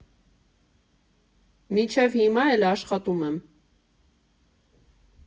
Մինչև հիմա էլ աշխատում եմ։